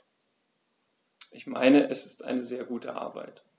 Ich meine, es ist eine sehr gute Arbeit.